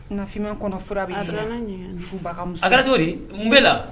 Na finman kɔnɔ fura b'e ɲɛ a a sirann'a ɲɛ subaga muso a kɛra cogodi mun b'e la